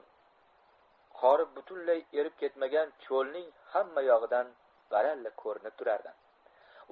qori butunlay erib ketmagan cho'lning hammayog'idan baralla ko'rinib turardi